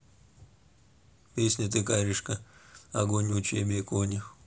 песня ты каришка огонь учебе кони